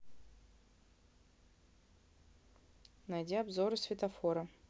найди обзоры светофора